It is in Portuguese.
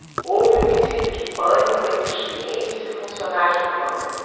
houve princípio de pânico entre os clientes e funcionários do banco